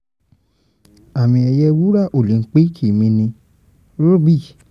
Àmì ẹ̀yẹ wúrà Òlíńpìkì mi ni Robbie.”